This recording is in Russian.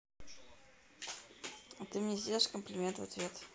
а ты мне сделаешь комплимент в ответ